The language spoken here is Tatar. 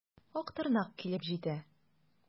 Актырнак килеп җитә.